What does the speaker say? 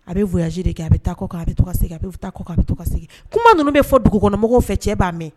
A bɛ voyage de kɛ a bɛ taa kɔ kan, a bɛ to ka segin , a bɛ taa a bɛ to ka segin , kuma ninnu bɛ fɔ dugukɔnɔmɔgɔw fɛ cɛ b'a mɛn.